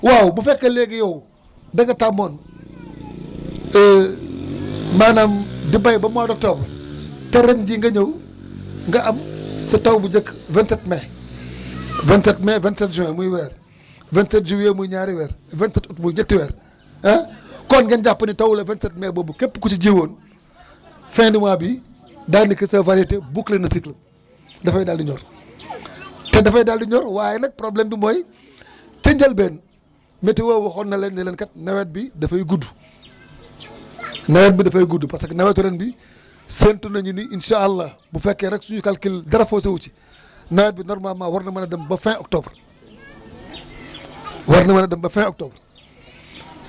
waaw bu fekkee léegi yow da nga tàmmoon maanaam di béy ba mois d' octobre te ren jii nga ñëw nga am sa taw bu njëkk 27 mai 27 mai 27 juin muy weer 27 juillet muy ñaari weer 27 aôut muy ñetti weer ah kon ngeen jàpp ni tawu le 27 mai boobu képp ku ci ji woon fin du mois bii daanaka sa variété bouclé na cycle am dafay daal di ñor te dafay daal di ñor waaye nag problème bi mooy ca njëlbeen météo waxoon na la ne leen kat bnawet bi dafay gudd nawet bi dafay gudd parce que nawetu ren bi séntu nañu ni incha allah bu fekkee rek suñu calcul dara faussé wu ci nawet bi normalement war na mën a dem ba fin octobre war na mën a dem ba fin octobre